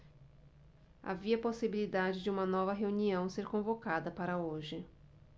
havia possibilidade de uma nova reunião ser convocada para hoje